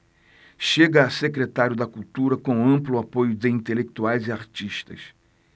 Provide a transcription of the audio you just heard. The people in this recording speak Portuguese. chega a secretário da cultura com amplo apoio de intelectuais e artistas